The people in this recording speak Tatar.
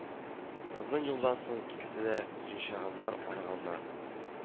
Озын юлдан соң икесе дә йончыганнар, арыганнар